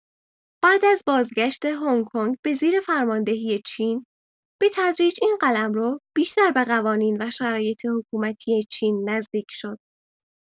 بعد از بازگشت هنگ‌کنگ به زیر فرماندهی چین، به‌تدریج این قلمرو بیشتر به قوانین و شرایط حکومتی چین نزدیک شد.